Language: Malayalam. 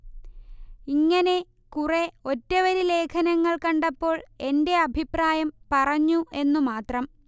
ഇങ്ങനെ കുറെ ഒറ്റവരി ലേഖനങ്ങൾ കണ്ടപ്പോൾ എന്റെ അഭിപ്രായം പറഞ്ഞു എന്നു മാത്രം